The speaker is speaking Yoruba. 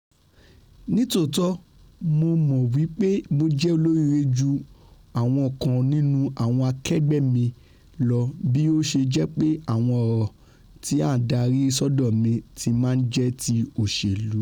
Ní tòótọ́, Mo mọ̀ wí pé Mo jẹ́ olóríire ju àwọn kan nínú àwọn akẹgbẹ́ mi lọ bí ó ṣe jẹ́pé àwọn ọ̀rọ̀ tí a darí sọ́dọ̀ mi tí máa ńjẹ́ ti òṣèlú.